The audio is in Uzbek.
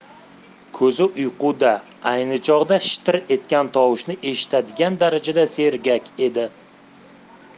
ko'zi uyquda ayni choqda shitir etgan tovushni eshitadigan darajada sergak edi